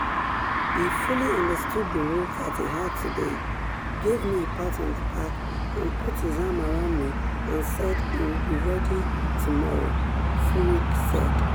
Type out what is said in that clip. "He fully understood the role that he had today, gave me a pat on the back and put his arm around me and said he would be ready tomorrow," Furyk said.